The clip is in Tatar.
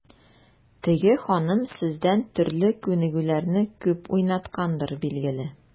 Теге ханым сездән төрле күнегүләрне күп уйнаткандыр, билгеле.